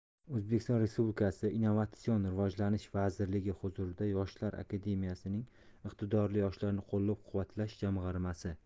o'zbekiston respublikasi innovatsion rivojlanish vazirligi huzurida yoshlar akademiyasining iqtidorli yoshlarni qo'llab quvvatlash jamg'armasi